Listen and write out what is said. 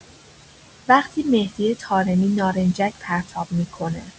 وقتی مهدی طارمی نارنجک پرتاب می‌کنه